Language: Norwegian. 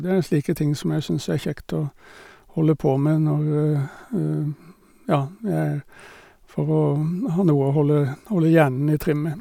Det er slike ting som jeg syns er kjekt å holde på med når ja jeg for å ha noe å holde holde hjernen i trim med.